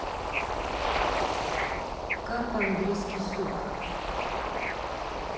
как по английски суп